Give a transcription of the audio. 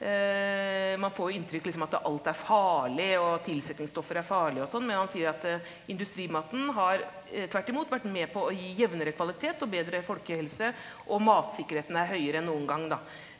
man får jo inntrykk liksom at alt er farlig og tilsetningsstoffer er farlig og sånn, men han sier at industrimaten har tvert imot vært med på å gi jevnere kvalitet og bedre folkehelse og matsikkerheten er høyere enn noen gang da.